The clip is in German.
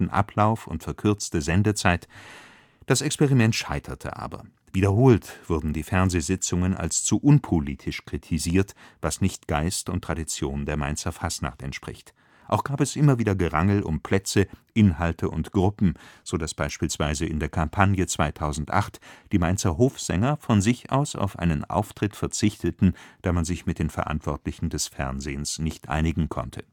Ablauf und verkürzte Sendezeit, das Experiment scheiterte aber. Wiederholt wurden die Fernsehsitzungen als zu unpolitisch kritisiert, was nicht Geist und Tradition der Mainzer Fastnacht entspricht. Auch gab es immer wieder Gerangel um Plätze, Inhalte und Gruppen, so dass beispielsweise in der Kampagne 2008 die Mainzer Hofsänger von sich aus auf einen Auftritt verzichteten, da man sich mit den Verantwortlichen des Fernsehens nicht einigen konnte